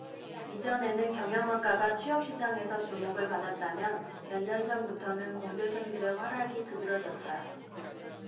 이전에는 경영학과가 취업시장에서 주목을 받았다면 몇년 전부터는 공대생들의 활약이 두드러졌다